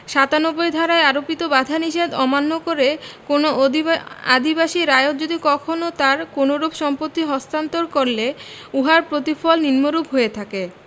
৯৭ ধারায় আরোপিত বাধানিষেধ অমান্য করে কোনও অদি আদিবাসী রায়ত যদি কখনো তার কোনরূপ সম্পত্তি হস্তান্তর করলে উহার প্রতিফল নিম্নরূপ হয়ে থাকে